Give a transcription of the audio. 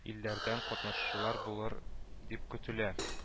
Илләрдән катнашучылар булыр дип көтелә